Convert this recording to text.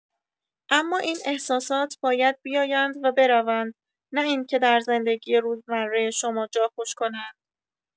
اما این احساسات باید بیایند و بروند، نه اینکه در زندگی روزمره شما جا خوش کنند.